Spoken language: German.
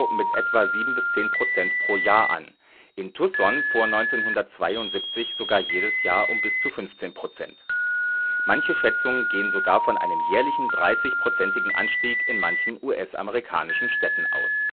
mit etwa 7-10 % pro Jahr an, in Tucson vor 1972 sogar jedes Jahr um bis zu 15 %. Manche Schätzungen gehen sogar von einem jährlichen 30-prozentigen Anstieg in manchen US-amerikanischen Städten aus